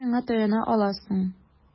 Син миңа таяна аласың.